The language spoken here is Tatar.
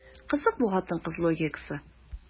Кызык бу хатын-кыз логикасы.